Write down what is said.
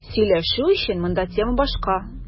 Сөйләшү өчен монда тема башка.